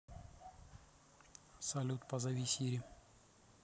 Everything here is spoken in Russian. салют позови сири